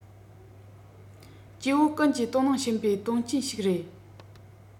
སྐྱེ བོ ཀུན གྱིས དོ སྣང བྱེད པའི དོན རྐྱེན ཞིག རེད